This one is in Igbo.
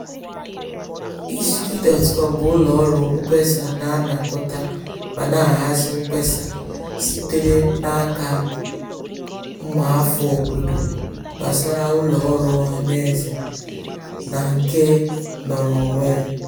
Ishki.com bụ ụlọ ọrụ mkpesa na-anakọta ma na-ahazi mkpesa sitere n'aka ụmụafọ obodo gbasara ụlọ ọrụ ọhanaeze na nke nnọrọ onwe.